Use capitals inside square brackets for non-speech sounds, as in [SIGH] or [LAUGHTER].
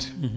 [HESITATION] [HESITATION]